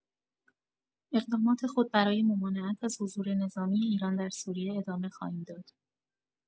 اقدامات خود برای ممانعت از حضور نظامی ایران در سوریه ادامه خواهیم داد.